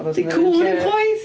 'Di cŵn ddim chwaith.